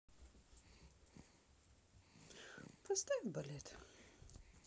поставь балет